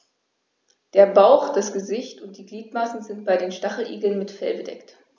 Der Bauch, das Gesicht und die Gliedmaßen sind bei den Stacheligeln mit Fell bedeckt.